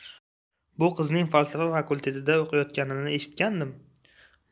bu qizning falsafa fakultetida o'qiyotganini eshitgandim